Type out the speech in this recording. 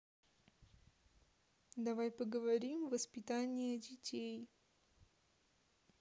давай поговорим воспитание детей